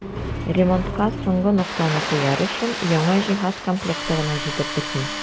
Ремонтка соңгы ноктаны куяр өчен яңа җиһаз комплекты гына җитеп бетми.